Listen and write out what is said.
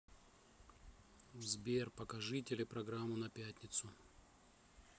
сбер покажи телепрограмму на пятницу